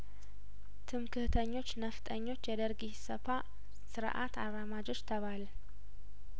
ትምክህተኞች ነፍጠኞች የደርግ ኢሰፓ ስርአት አራማጆች ተባልን